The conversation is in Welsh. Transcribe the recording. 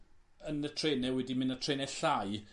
yn y trene wedi myn' â trene llai